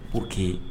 Ok